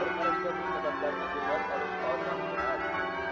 bir qarashda bu sabablarni ilg'ab olish oson emas